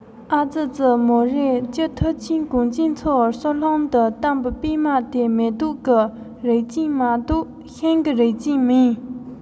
ཨ ཙི ཙི མོ རེ སྤྱིར ཐུབ ཆེན གངས ཅན མཚོའི གསོལ ལྷུང དུ བལྟམས པའི པད མ དེ མེ ཏོག གི རིགས ཅན མ གཏོགས ཤིང གི རིགས ཅན མིན